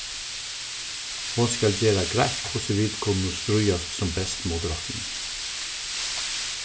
hon skal gera greitt hvussu vit kunnu stríðast sum best móti rottuni